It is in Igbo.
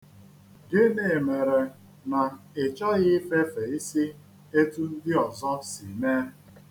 Gịnị mere na ị chọghị ifefe isi etu ndị ọzọ si mee.